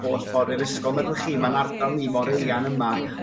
holl ffor' i'r ysgol. Meddyl'wch chi ma'n ardal ni mor eang yma